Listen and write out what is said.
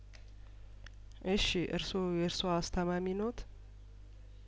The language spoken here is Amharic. እሺ እርስዎ የርሷ አስታማሚ ነዎት